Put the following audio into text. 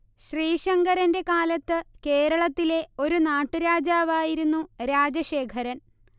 ശ്രീശങ്കരന്റെ കാലത്ത് കേരളത്തിലെ ഒരു നാട്ടു രാജാവായിരുന്നു രാജശേഖരൻ